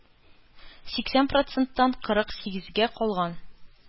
Сиксән проценттан кырык сигезгә калган.